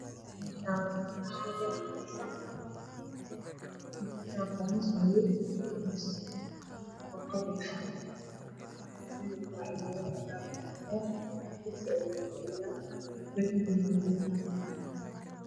Meshan lapa nin aaya fadhiso Waxey wataan qamiis madow qamiis qalin ah mid cimaamd cadaan ayuu wataa ku rsi ayuu ku fadhiyaa darpigana wa darpi cadana ah